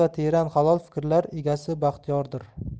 aql va teran halol fikrlar egasi baxtiyordir